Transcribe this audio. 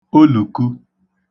olùku